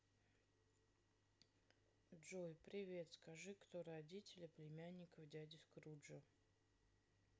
джой привет скажи кто родители племянников дяди скруджа